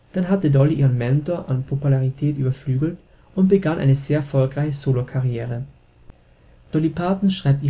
Dann hatte Dolly ihren Mentor an Popularität überflügelt und begann eine sehr erfolgreiche Solokarriere. Dolly Parton schreibt